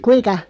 kuinka